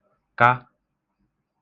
ka